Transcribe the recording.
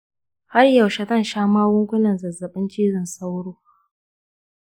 har yaushe zan sha magungunan zazzabin cizon sauro